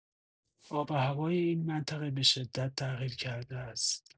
آب و هوای این منطقه به‌شدت تغییر کرده است.